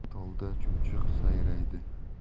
tolda chumchuq sayraydi